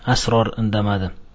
sror indamadi